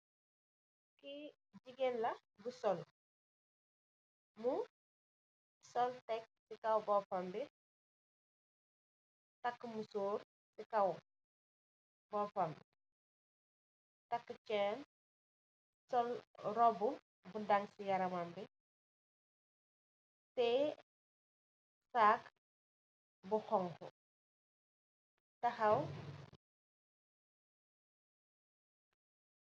Kii jigéen la, bu sollu, mu sol tek si kow boopam bi, takkë musóor si boopam bi, takkë ceen, sol roobu bu dang si yaramam bi, tiye kaas bu xoñxu.